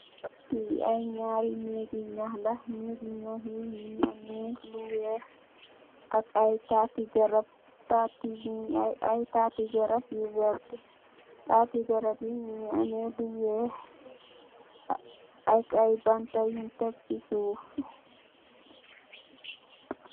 Li ay naari neegi nhaax la neegi nhaax yi lu weex ak ay tati garab ay tati garab yu wertah tati garab bi mogi am lu weex ak ay panta yuun teck si suuf.